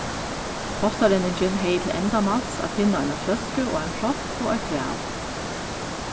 postarenningin hevði til endamáls at finna eina fløsku og ein propp og eitt bræv